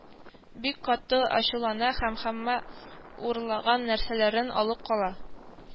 Бик каты ачулана да һәммә урлаган нәрсәләрен алып кала